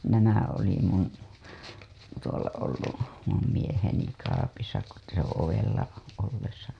nämä oli minun tuolla ollut minun mieheni kaapissa kun se - ovella ollessa